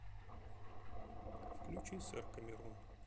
включи сэр камерун